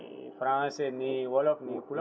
Français ni Wolof ni ni pulaar